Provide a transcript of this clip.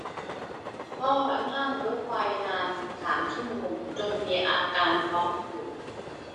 พ่อนั่งรถไฟนานสิบสามชั่วโมงจนมีอาการท้องผูก